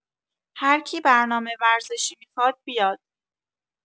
هرکی برنامه ورزشی میخواد بیاد